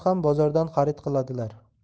ham bozordan xarid qiladilar